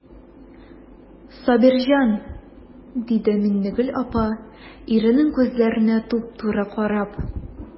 Сабирҗан,– диде Миннегөл апа, иренең күзләренә туп-туры карап.